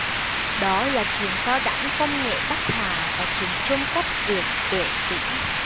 đó là trường cao đẳng công nghệ bắc hà và trường trung cấp dược tuệ tĩnh